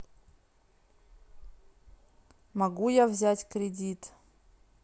могу я взять кредит